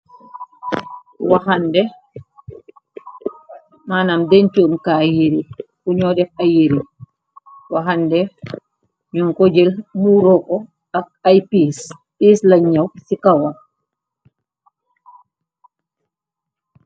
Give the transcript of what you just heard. Waxande manam dentumkaay yere fuñoo def ay yere waxande ñun ko jeël muroko ak ay piss piss len ñaw ci kawam.